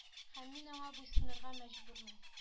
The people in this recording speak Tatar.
Һәм мин аңа буйсынырга мәҗбүрмен